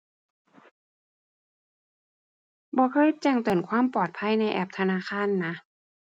บ่เคยแจ้งเตือนความปลอดภัยในแอปธนาคารนะ